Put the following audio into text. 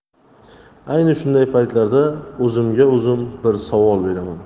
ayni shunday paytlarda o'zimga o'zim bir savol beraman